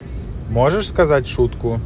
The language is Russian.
можешь сказать шутку